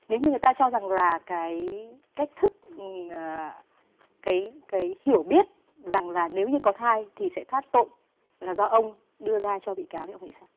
nếu như người ta cho rằng là cái cách thức ngờ cái cái hiểu biết rằng là nếu như có thai thì sẽ thoát tội là do ông đưa ra cho bị cáo thì ông nghĩ sao